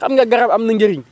xam nga garab am na njëriñ